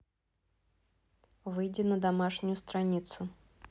выйди на домашнюю страницу